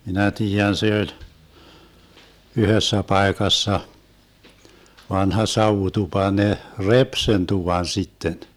minä tiedän se oli yhdessä paikassa vanha savutupa ne repi sen tuvan sitten